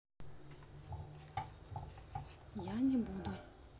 я не буду